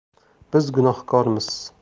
biz gunohkormiz